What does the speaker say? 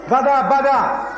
bada bada